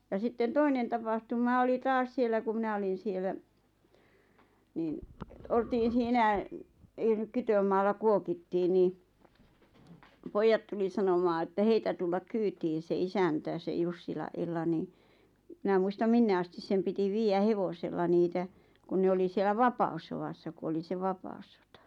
ja sitten toinen tapahtuma oli taas siellä kun minä olin siellä niin oltiin siinä ei nyt kytömaalla kuokittiin niin pojat tuli sanomaan että heitä tulla kyytiin se isäntä se Jussilan Ella niin minä muista minne asti sen piti viedä hevosella niitä kun ne oli siellä vapaussodassa kun oli se vapaussota